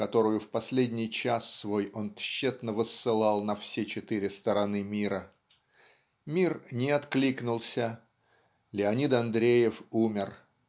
которую в последний час свой он тщетно воссылал на все четыре стороны мира. Мир не откликнулся. Леонид Андреев умер.